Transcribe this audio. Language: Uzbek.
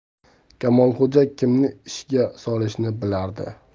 kamolxo'ja kimni ishga solishni biladi